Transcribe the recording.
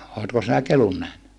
oletko sinä kelun nähnyt